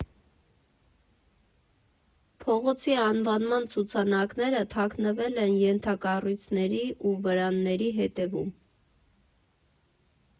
Փողոցի անվանման ցուցանակները թաքնվել են ենթակառույցների ու վրանների հետևում։